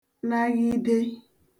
naghide